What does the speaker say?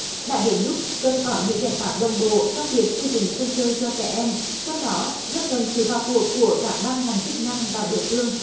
đã đến lúc cần có những giải pháp đồng bộ trong việc xây dựng sân chơi cho trẻ em trong đó rất cần sự vào cuộc của các ban ngành chức năng và địa phương